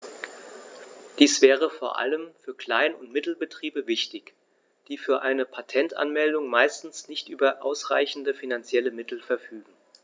Dies wäre vor allem für Klein- und Mittelbetriebe wichtig, die für eine Patentanmeldung meistens nicht über ausreichende finanzielle Mittel verfügen.